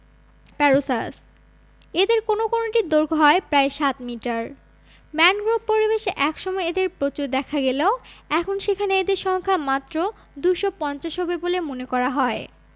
প্যারোসাস এদের কোন কোনটির দৈর্ঘ্য হয় প্রায় ৭ মিটার ম্যানগ্রোভ পরিবেশে এক সময় এদের প্রচুর দেখা গেলেও এখন সেখানে এদের সংখ্যা মাত্র ২৫০ হবে বলে মনে করা হয়